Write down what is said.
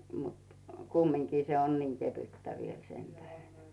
mutta kumminkin se on niin kevyttä vielä sen tähden